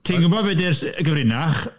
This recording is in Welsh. Ti'n gwbod be 'di'r s- y gyfrinach?